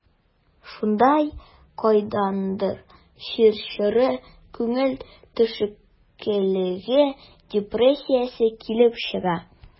Шунда кайдандыр чир чоры, күңел төшенкелеге, депрессиясе килеп чыга.